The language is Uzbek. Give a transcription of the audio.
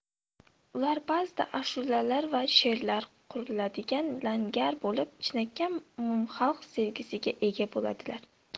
ular ba'zida ashulalar va she'rlar quriladigan langar bo'lib chinakam umumxalq sevgisiga ega bo'ladilar